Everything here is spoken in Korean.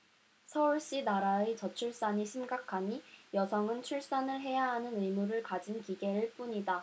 서울시나라의 저출산이 심각하니 여성은 출산을 해야 하는 의무를 가진 기계일 뿐이다